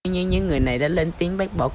nhiên những người này đã lên tiếng bác bỏ